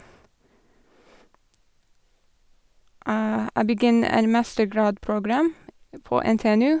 Jeg begynn en mastergradprogram på NTNU.